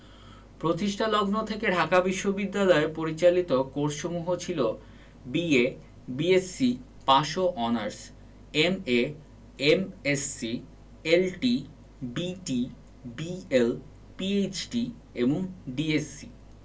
প্রতিষ্ঠালগ্ন থেকে ঢাকা বিশ্ববিদ্যালয় পরিচালিত কোর্সসমূহ ছিল বি.এ বি.এসসি পাস ও honours MA MSc LT BT BL PhD এবং ডিএস.সি